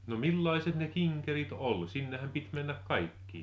no millaiset ne kinkerit oli sinnehän piti mennä kaikkien